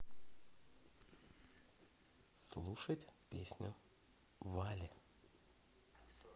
слушать песню вали